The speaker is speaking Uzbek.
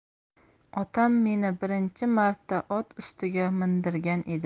otam meni birinchi marta ot ustiga mindirgan edi